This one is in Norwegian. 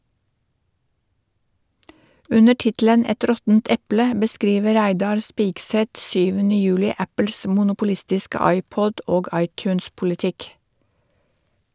Under tittelen "Et råttent eple" beskriver Reidar Spigseth 7. juli Apples monopolistiske iPod- og iTunes-politikk.